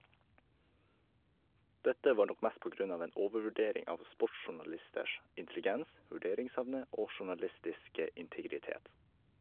Dette var nok mest på grunn av en overvurdering av sportsjournalisters intelligens , vurderingsevne og journalistiske integritet.